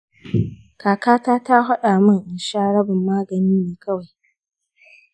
kaka ta ta faɗa min in sha rabin maganin ne kawai.